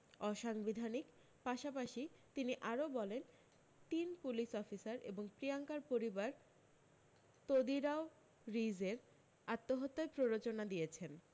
অসাংবিধানিক পাশাপাশি তিনি আরও বলেন তিন পুলিশ অফিসার এবং প্রিয়ঙ্কার পরিবার তোদিরাও রিজের আত্মহত্যায় প্ররোচনা দিয়েছেন